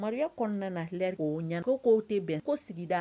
Maria kɔnɔna nal ko ɲɛ ko k'o tɛ bɛn ko sigida